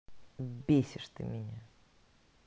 бесишь меня ты